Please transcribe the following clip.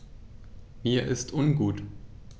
Mir ist ungut.